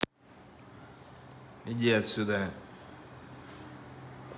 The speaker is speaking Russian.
иди отсюда